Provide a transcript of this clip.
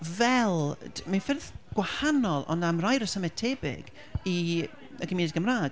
Fel, d- mewn ffyrdd gwahanol ond am rai resymau tebyg i y gymuned Gymraeg.